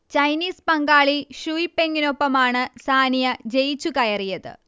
Chinese പങ്കാളി Shuai പെങ്ങിനൊപ്പമാണ് സാനിയ ജയിച്ചുകയറിയത്